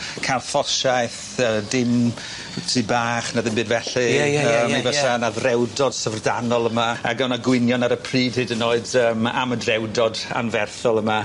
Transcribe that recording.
Calfosiaeth yy dim tŷ bach na ddim byd felly. Ie ie ie ie. Yy mi fysa 'na ddrewdod syfrdanol yma ag o' 'na gwynion ar y pryd hyd yn oed yym am y drewdod anferthol yma.